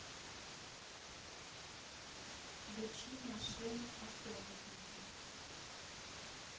включи машины автобусники